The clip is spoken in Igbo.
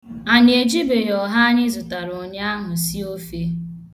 Anyị ejibeghị ọha anyị zụtara ụnyahụ sie ofe.